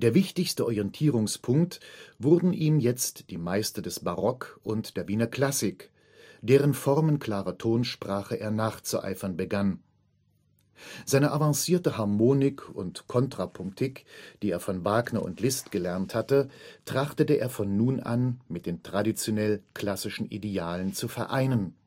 wichtigste Orientierungspunkt wurden ihm jetzt die Meister des Barock und der Wiener Klassik, deren formenklarer Tonsprache er nachzueifern begann. Seine avancierte Harmonik und Kontrapunktik, die er von Wagner und Liszt gelernt hatte, trachtete er von nun an, mit den traditionell-klassischen Idealen zu vereinen